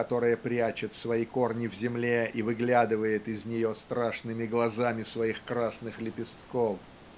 которое прячет свои корни в земле и выглядывает из нее страшными глазами своих красных лепестков.